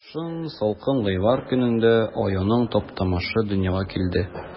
Кышын, салкын гыйнвар көнендә, аюның Таптамышы дөньяга килде.